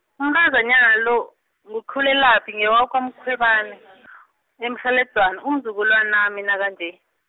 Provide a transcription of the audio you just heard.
umntazanyana lo, nguKhulelaphi ngewakwaMkhwebani, eMkgheledzwana umzukulwanami nakanje.